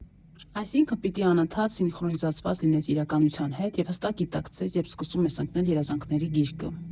Այսինքն՝ պիտի անընդհատ սինխրոնիզացված լինես իրականության հետ և հստակ գիտակցես, երբ սկսում ես ընկնել երազանքների գիրկը։